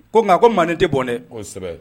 Ko nka a ko manden tɛ bɔnɛ kosɛbɛ